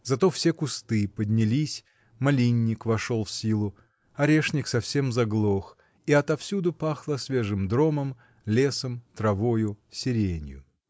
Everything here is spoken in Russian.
зато все кусты поднялись, малинник вошел в силу, орешник совсем заглох, и отовсюду пахло свежим дромом, лесом, травою, сиренью.